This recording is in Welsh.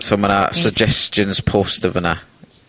..so ma' 'na suggestions post yn fyna.